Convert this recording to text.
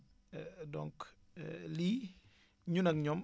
donc lii ñun ak ñoom